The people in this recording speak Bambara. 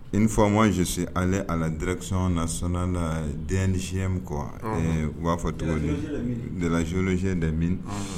Une fois, moi je suis allé à la direction nationale DNGM quoi ɛɛ u b'a fɔ cogo di? De la géologie et des mines.